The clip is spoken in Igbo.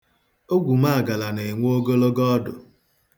Ogwumaagala na-enwe ogologo ọdụ.